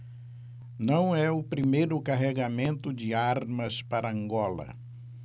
não é o primeiro carregamento de armas para angola